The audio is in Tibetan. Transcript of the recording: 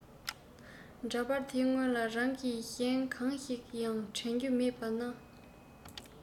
འདྲ པར དེ སྔོན ལ རང གི གཞན གང ཞིག ཡང དྲན རྒྱུ མེད པར ནང